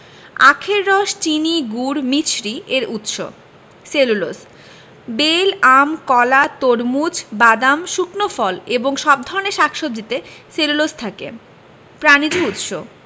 আখের রস চিনি গুড় মিছরি এর উৎস সেলুলোজ বেল আম কলা তরমুজ বাদাম শুকনো ফল এবং সব ধরনের শাক সবজিতে সেলুলোজ থাকে প্রানিজ উৎস